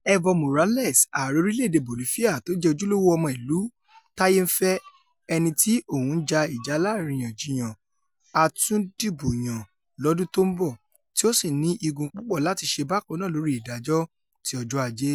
Evo Morales, ààrẹ orílẹ̀-èdè Bolifia tójẹ́ ojúlówó ọmọ ìlú táyé ńfẹ́ - ẹniti on ja ìjà aláàríyànjiyàn atún dìbò yàn lọ́dún tó ńbọ̀ - tí ó sì̀ ní igùn púpọ̀ láti ṣe bákannáa lórí ìdájọ́ ti ọjọ́ Aje ́.